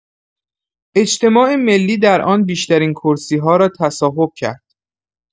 اجتماع ملی در آن بیشترین کرسی‌ها را تصاحب کرد.